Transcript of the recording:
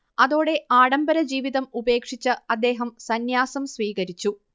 അതോടെ ആഢംബരജീവിതം ഉപേക്ഷിച്ച് അദ്ദേഹം സന്യാസം സ്വീകരിച്ചു